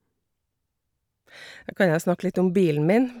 Da kan jeg snakke litt om bilen min.